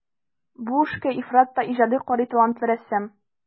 Бу эшкә ифрат та иҗади карый талантлы рәссам.